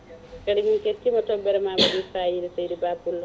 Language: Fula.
kadi min kettima toɓɓere ma waɗi fayida seydi Ba poullo